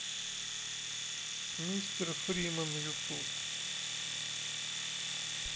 мистер фримен ютуб